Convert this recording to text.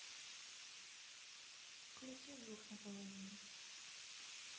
включи звук на половину